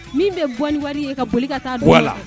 Min bɛ bɔɔni wari ye ka boli ka taa don a la